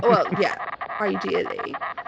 Wel, ie ideally.